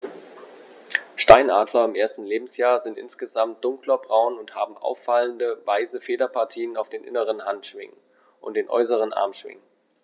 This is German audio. Steinadler im ersten Lebensjahr sind insgesamt dunkler braun und haben auffallende, weiße Federpartien auf den inneren Handschwingen und den äußeren Armschwingen.